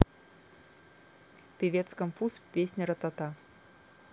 певец комфуз песня ратата